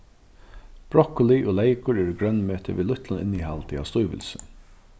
brokkoli og leykur eru grønmeti við lítlum innihaldi av stívilsi